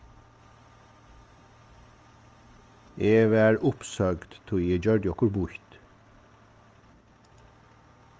eg varð uppsøgd tí eg gjørdi okkurt býtt